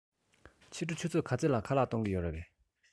ཕྱི དྲོ ཆུ ཚོད ག ཚོད ལ ཁ ལག གཏོང གི རེད པས